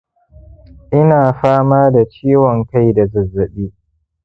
ina fama da ciwon kai da zazzabi